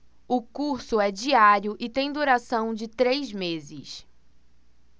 o curso é diário e tem duração de três meses